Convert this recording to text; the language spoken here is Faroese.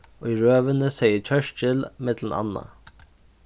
í røðuni segði churchill millum annað